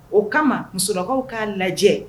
O kama musokaw ka'a lajɛ